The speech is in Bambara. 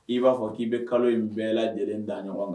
I b'a fɔ k'i bɛ kalo in bɛɛ lajɛlen da ɲɔgɔn ma